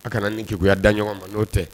A kana nin juguyaya da ɲɔgɔn ma n'o tɛ